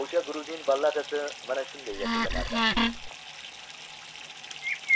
o'sha gruzin balladasi mana shunday yakunlanardi